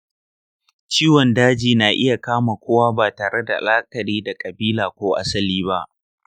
ciwon daji na iya kama kowa ba tareda la'akari da kabila ko asali ba.